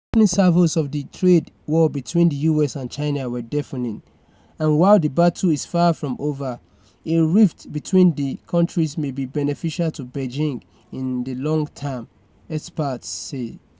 The opening salvos of the trade war between the US and China were deafening, and while the battle is far from over, a rift between the countries may be beneficial to Beijing in the long term, experts say.